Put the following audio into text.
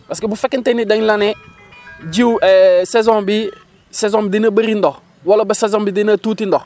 parce que bu fekkente ni dañ la ne jiw saison bii saison bi dina bëri ndox wala ba saison bi dina tuuti ndox